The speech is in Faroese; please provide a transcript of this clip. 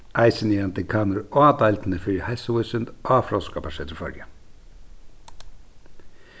eisini er hann dekanur á deildini fyri heilsuvísindi á fróðskaparsetri føroya